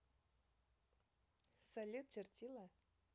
салют чертила